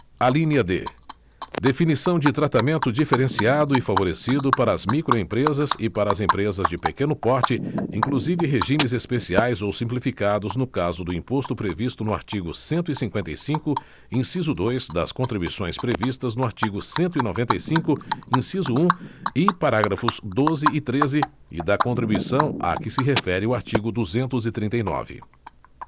alínea d definição de tratamento diferenciado e favorecido para as microempresas e para as empresas de pequeno porte inclusive regimes especiais ou simplificados no caso do imposto previsto no artigo cento e cinquenta e cinco inciso dois das contribuições previstas no artigo cento e noventa e cinco inciso um e parágrafos doze e treze e da contribuição a que se refere o artigo duzentos e trinta e nove